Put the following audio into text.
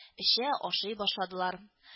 Эчә, ашый башладылар